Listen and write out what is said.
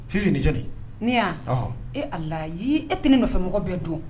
Fi fini j ne'a e a la ye e tɛ ne nɔfɛ mɔgɔ bɛ don